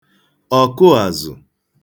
ọ̀kụàzụ̀